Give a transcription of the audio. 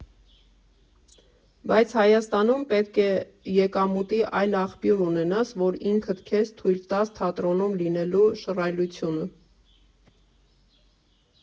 Բայց Հայաստանում պետք է եկամուտի այլ աղբյուր ունենաս, որ ինքդ քեզ թույլ տաս թատրոնում լինելու շռայլությունը։